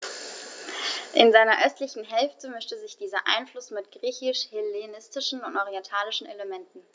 In seiner östlichen Hälfte mischte sich dieser Einfluss mit griechisch-hellenistischen und orientalischen Elementen.